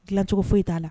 Tilalancogo foyi i t'a la